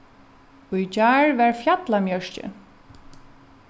í gjár var fjallamjørki